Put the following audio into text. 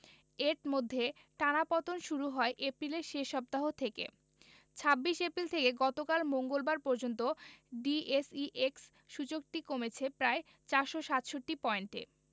এর মধ্যে টানা পতন শুরু হয় এপ্রিলের শেষ সপ্তাহ থেকে ২৬ এপ্রিল থেকে গতকাল মঙ্গলবার পর্যন্ত ডিএসইএক্স সূচকটি কমেছে প্রায় ৪৬৭ পয়েন্ট